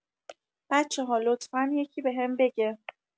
بچه‌ها لطفا یکی بهم بگه